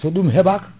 so ɗum heɓaka